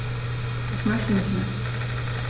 Ich möchte nicht mehr.